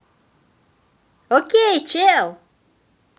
окей чел